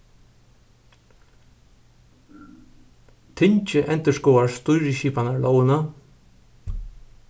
tingið endurskoðar stýrisskipanarlógina